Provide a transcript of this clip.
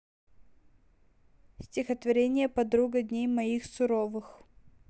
стихотворение подруга дней моих суровых